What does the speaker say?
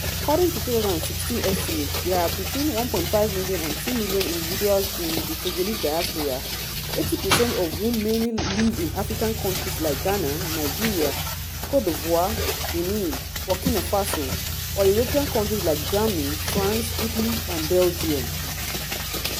According to 2016 estimates, there are between 1.5 million and 2 million individuals in the Togolese diaspora, 80 percent of whom mainly live in African countries like Ghana, Nigeria, Côte d’Ivoire, Benin, Burkina Faso, or European countries like Germany, France, Italy, and Belgium.